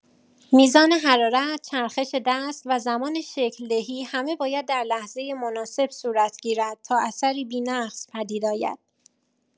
میزان حرارت، چرخش دست و زمان شکل‌دهی همه باید در لحظه مناسب صورت گیرد تا اثری بی‌نقص پدید آید.